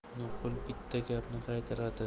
nuqul bitta gapni qaytaradi